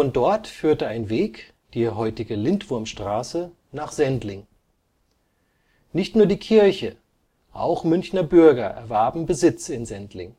dort führte ein Weg (die heutige Lindwurmstraße) nach Sendling. Nicht nur die Kirche, auch Münchner Bürger erwarben Besitz in Sendling